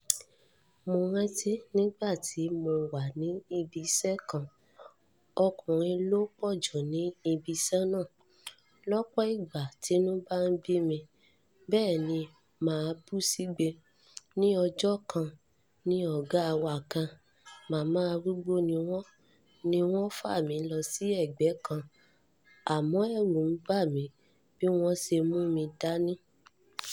Mo rántí nígbà tí mo wà ní ibiṣẹ́ kan, ọkụ̀nrin ló pọ̀ jù ní ibiṣẹ́ náà. Lọ́pọ̀ ìgbà tínú bá bí mi, bẹ́è ni máa bú sígbe. Ní ọjọ́ kan ní ọgá wa kan, màmá arúgbó ni wọ́n, ni wọ́n fa mí lọ sí ẹ̀gbẹ́ kan, àmọ́ ẹ̀rù ń bà mí bí wọ́n ṣe mú mi dání.